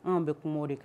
Anw bɛ kuma de kan